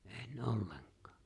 en ollenkaan